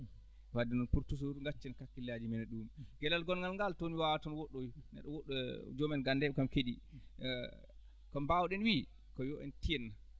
wadde noon pour toujours gaccen kakkillaaji men e ɗum geɗal gonngal ngal toon mi waawaa toon woɗɗoyde neɗɗo woodi ɗo ko joomen gannde en kamɓe keɗii ko mbaawɗen wiide ko yo en tiinno